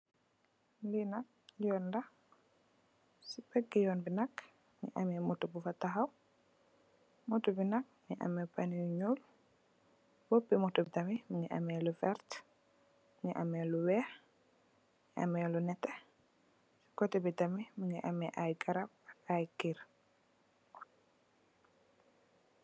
Li nak yoon la, ci pegg gu yoon bi nak mungi motto bufa tahaw. Motto bi nak mungi am pen lu ñuul, bopp pi motto mungi am lu vert, lu weex, ame lu neteh, koteh bi tamit mungi am ay garap, ay keur.